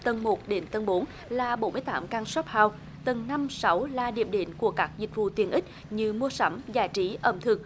tầng một đến tầng bốn là bốn mươi tám căn sóp hau tầng năm sáu là điểm đến của các dịch vụ tiện ích như mua sắm giải trí ẩm thực